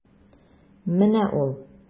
Менә ул.